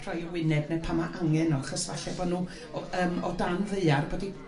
rhoi y wyneb 'ne pan ma' angen o achos 'falle bo' nhw o yrm o dan ddaear bod 'u